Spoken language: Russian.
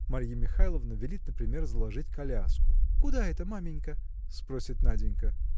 Марья Михайловна велит, например, заложить коляску. – Куда это, маменька? – спросит Наденька.